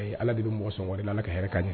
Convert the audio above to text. Ala de bɛ mɔgɔ sɔn wɛrɛ la ala ka hɛrɛ ka ɲɛ